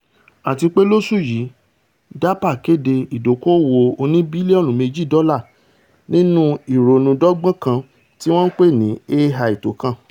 Àtipé lóṣù yìí DARPA kéde ìdókòòwò oní-bílíọ̀nù méjì dọ́là nínú ìrònú-dọgbọ́n kan tí wọ́n pè ni AI Tókàn.